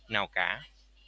nào cả